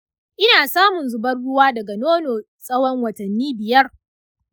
ina samun zubar ruwa daga nono tsawon watanni biyar.